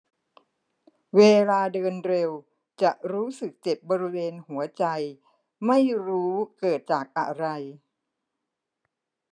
เวลาเดินเร็วจะรู้สึกเจ็บบริเวณหัวใจไม่รู้เกิดจากอะไร